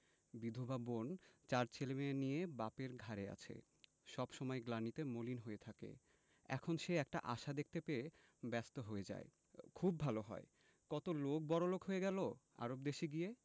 বিধবা বোন চার ছেলেমেয়ে নিয়ে বাপের ঘাড়ে আছে সব সময় গ্লানিতে মলিন হয়ে থাকে এখন সে একটা আশা দেখতে পেয়ে ব্যস্ত হয়ে যায় খুব ভালো হয় কত লোক বড়লোক হয়ে গেল আরব দেশে গিয়ে